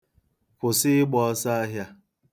Kwụsị ịgba ọsọahịā.